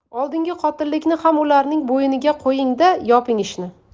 oldingi qotillikni ham ularning bo'yniga qo'ying da yoping ishni